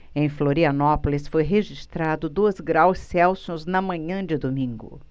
em florianópolis foi registrado dois graus celsius na manhã de domingo